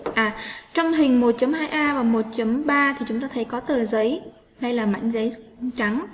trong hình chấm a và chấm thì chúng ta thấy có tờ giấy hay là mảnh giấy trắng